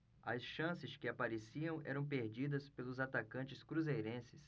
as chances que apareciam eram perdidas pelos atacantes cruzeirenses